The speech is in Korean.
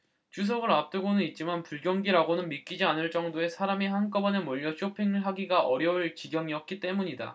추석을 앞두고는 있지만 불경기라고는 믿기지 않을 정도의 사람이 한꺼번에 몰려 쇼핑을 하기가 어려울 지경이었기 때문이다